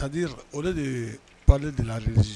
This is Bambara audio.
Kadi o de ye paale de basi